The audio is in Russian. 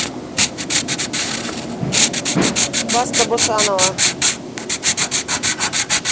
баста босанова